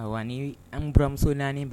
Ayiwa ni anuramuso naani